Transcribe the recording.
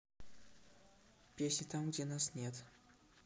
песня там где нас нет